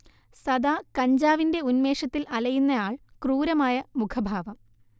സദാ കഞ്ചാവിന്റെ ഉന്മേഷത്തിൽ അലയുന്ന ആൾ ക്രൂരമായ മുഖഭാവം